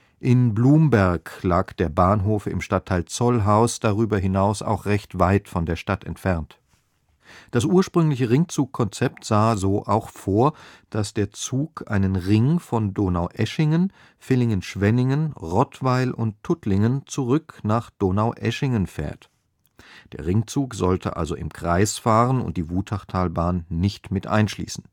In Blumberg lag der Bahnhof im Stadtteil Zollhaus darüber hinaus auch recht weit von der Stadt entfernt. Das ursprüngliche Ringzug-Konzept sah so auch vor, dass der Zug einen Ring von Donaueschingen, Villingen-Schwenningen, Rottweil und Tuttlingen zurück nach Donaueschingen fährt. Der Ringzug sollte also im Kreis fahren und die Wutachtalbahn nicht mit einschließen